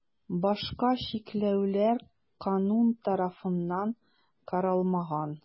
Башка чикләүләр канун тарафыннан каралмаган.